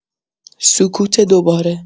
سکوت دوباره